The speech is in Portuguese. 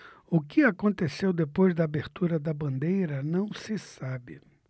o que aconteceu depois da abertura da bandeira não se sabe